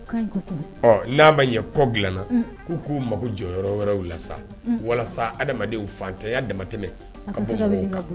O ka ɲi Kosɛbɛ. Ɔ n'a ma ɲɛn kow dilana k'u k''u mako jɔ yɔrɔ wɛrɛw la, walasa adamadenw fantanya damatɛmɛ o ka bɔ mɔgɔw kan